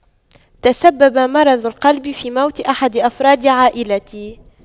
تسبب مرض القلب في موت أحد أفراد عائلتي